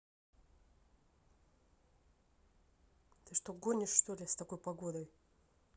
ты что гонишь что ли с такой погодой